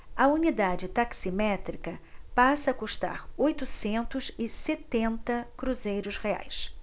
a unidade taximétrica passa a custar oitocentos e setenta cruzeiros reais